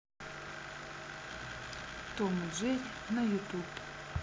том и джерри на ютуб